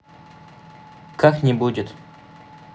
как не будет